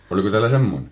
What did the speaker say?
oliko täällä semmoinen